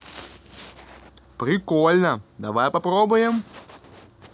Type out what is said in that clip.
прикольно давай попробуем